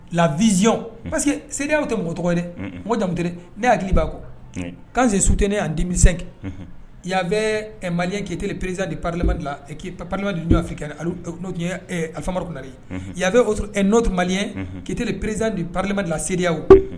Laizyɔn parce que seerew tɛ mɔgɔ tɔgɔ dɛ mɔgɔ jamumute ne y hakili b'a kɔ kanse sut ne an denmisɛnmike yanfɛ ɛ mali keyitatirite perezdi parmarimafifanare ya n'otu maliye ketirite perezandi parrlma la seerew